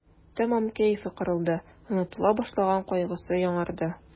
Тәмам кәефе кырылды, онытыла башлаган кайгысы яңарды.